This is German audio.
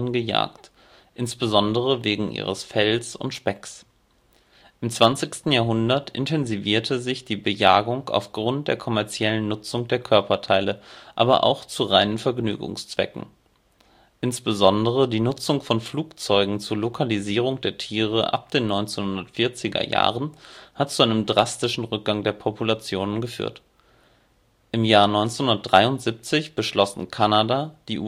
gejagt, insbesondere wegen ihres Fells und Specks. Im 20. Jahrhundert intensivierte sich die Bejagung aufgrund der kommerziellen Nutzung der Körperteile, aber auch zu reinen Vergnügungszwecken. Insbesondere die Nutzung von Flugzeugen zur Lokalisierung der Tiere ab den 1940er-Jahren hat zu einem drastischen Rückgang der Populationen geführt. Im Jahr 1973 beschlossen Kanada, die